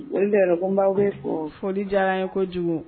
O tɛ ko b'aw bɛ fɔ foli diyara ye kojugu